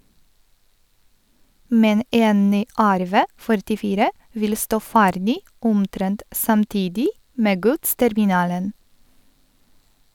Men en ny RV 44 vil stå ferdig omtrent samtidig med godsterminalen.